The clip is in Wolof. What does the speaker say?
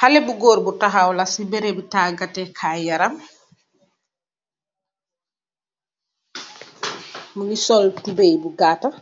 Haleh bu goor bu taxah laah si bexrembeh tagal gai yaraam , bu keex sol tubai bu kataax